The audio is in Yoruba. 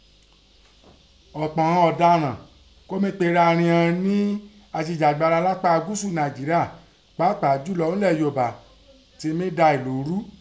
Ọ̀pọ̀ ìghọn ọ̀daràn kó mí pe ara righọn nẹ́ ajìjàgbara lápa Gúúsù Nàìjéírià pàápàá jùlọ nílẹ̀ Yoòbá ti mí da èlú rú.